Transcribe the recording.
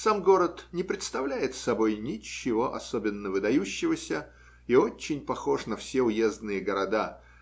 Сам город не представляет собою ничего особенно выдающегося и очень похож на все уездные города